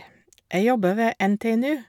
Jeg jobber ved NTNU.